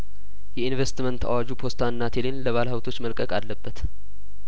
የኢንቨስትመንት አዋጁ ፖስታና ቴሌን ለባለሀብቶች መልቀቅ አለበት